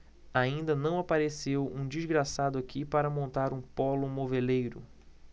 ainda não apareceu um desgraçado aqui para montar um pólo moveleiro